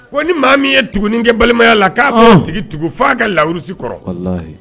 Ko ni maa min ye tugunin kɛ balimaya la k'a tigi tugu f'a ka larursi kɔrɔ, walahi